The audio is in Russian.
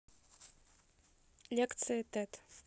лекции тет